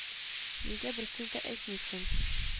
Нигә бер сүз дә әйтмисең